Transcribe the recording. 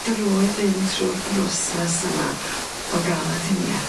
Drwy fynd trw'r broses yma o ga'l aduniad.